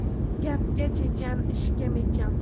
gapga chechan ishga mechan